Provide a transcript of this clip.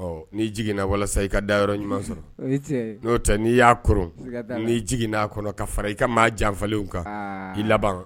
Ɔ n'i jiginna walasasa i ka da yɔrɔ ɲuman sɔrɔ n'o tɛ n'i y'a kɔrɔ n'i jigin na'a kɔnɔ ka fara i ka maa janfaw kan i laban